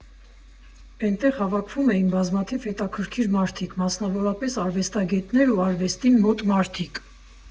Էնտեղ հավաքվում էին բազմաթիվ հետաքրքիր մարդիկ, մասնավորապես, արվեստագետներ ու արվեստին մոտ մարդիկ։